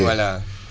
voilà